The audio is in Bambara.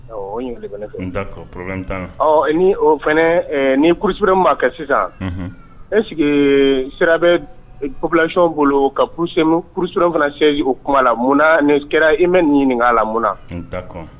O ɲ ni fana ni kurusur ma kɛ sisan e sigi sira bɛ pplasiw bolo ka kuruur fana se o kuma la mun ni kɛra i bɛ nin ɲini ɲininka' a la munna